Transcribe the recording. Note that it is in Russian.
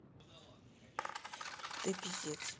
ты пиздец